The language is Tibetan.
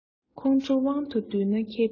ཁོང ཁྲོ དབང དུ འདུས ན མཁས པའི རྟགས